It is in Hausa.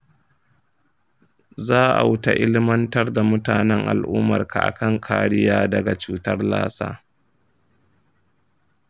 za'auta ilmantar da mtanen al'ummarka akan kariya daga cutar lassa.